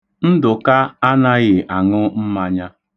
Ndụka anaghị aṅụ mmanya.